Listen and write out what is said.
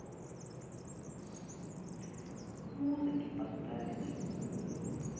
музыки поставить